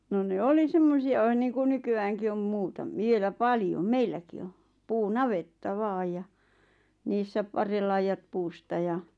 no ne oli semmoisia sen niin kuin nykyäänkin on - vielä paljon meilläkin on puunavetta vain ja niissä parren laidat puusta ja